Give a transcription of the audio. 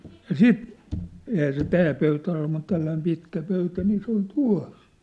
ja sitten eihän se tämä pöytä ole mutta tällainen pitkä pöytä niin se oli tuossa